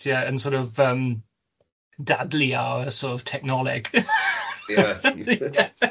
Yeah yn sor' of, yym, dadlu â yy sor' of tecnoleg... Ia...